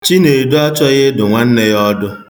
Chinedu achọghị ịdụ nwanne ya ọdụ.